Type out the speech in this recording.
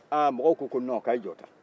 mɔgɔw ko a a' jɔ tan